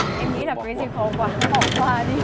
em nghĩ là cái gì khó quá bỏ qua đi